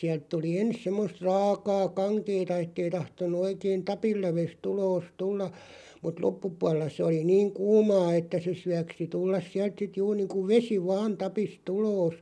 sieltä tuli ensin semmoista raakaa kankeaa että ei tahtonut oikein tapinlävestä ulos tulla mutta loppupuolella se oli niin kuumaa että se syöksi tulla sieltä sitten juuri niin kuin vesi vain tapista ulos